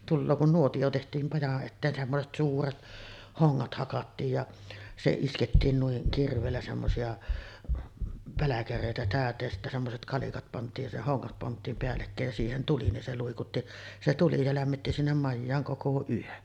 tulee kun nuotio tehtiin majan eteen semmoiset suuret hongat hakattiin ja se iskettiin noin kirveellä semmoisia pälkäreitä täyteen ja sitten semmoiset kalikat pantiin ja se hongat pantiin päällekkäin ja siihen tuli niin se luikutti se tuli se lämmitti sinne majaan koko yön